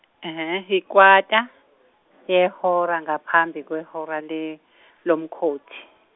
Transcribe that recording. yikwata , yehora ngaphambi kwehora le- lomkhothi.